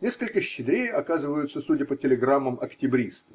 Несколько щедрее оказываются, судя по телеграммам, октябристы: